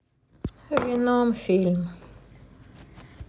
веном фильм